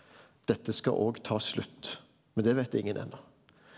dette skal òg ta slutt, men det veit ingen ennå.